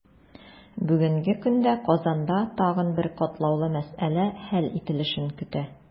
Бүгенге көндә Казанда тагын бер катлаулы мәсьәлә хәл ителешен көтә.